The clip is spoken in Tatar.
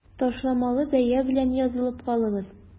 Ташламалы бәя белән язылып калыгыз!